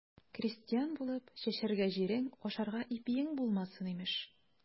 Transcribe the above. Крестьян булып, чәчәргә җирең, ашарга ипиең булмасын, имеш.